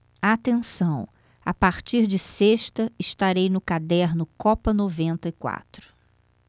atenção a partir de sexta estarei no caderno copa noventa e quatro